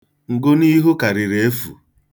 Ngụniihu karịrị efu.